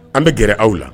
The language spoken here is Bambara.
An bɛ gɛrɛ aw la